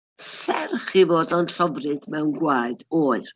Serch ei fod o'n llofrudd mewn gwaed oer.